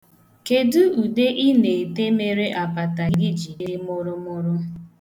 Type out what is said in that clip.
Kedu ude ị na-ete mere apata gị jị dị mụrụmụrụ?